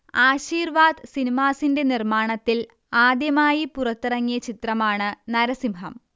ആശീർവാദ് സിനിമാസിന്റെ നിർമ്മാണത്തിൽ ആദ്യമായി പുറത്തിറങ്ങിയ ചിത്രമാണ് നരസിംഹം